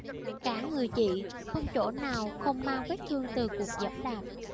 cả người chị không chỗ nào không mang vết thương từ cuộc giẫm đạp